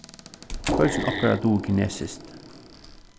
hvørgin okkara dugir kinesiskt